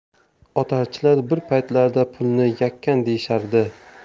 otarchilar bir paytlarda pulni yakan deyishardi